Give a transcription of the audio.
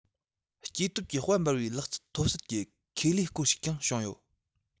སྐྱེ སྟོབས ཀྱི དཔལ འབར བའི ལག རྩལ མཐོ གསར གྱི ཁེ ལས སྐོར ཞིག ཀྱང བྱུང ཡོད